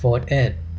โฟธเอซ